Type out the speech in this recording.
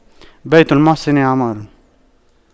بيت المحسن عمار